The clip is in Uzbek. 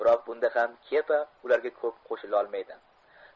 bunda ham kepa ularga ko'p qo'shilolmaydi